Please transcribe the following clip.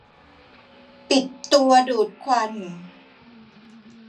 ปิดตัวดูดควัน